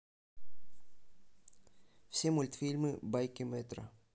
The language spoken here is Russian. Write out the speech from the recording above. все мультфильмы байки мэтра